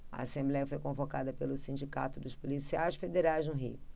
a assembléia foi convocada pelo sindicato dos policiais federais no rio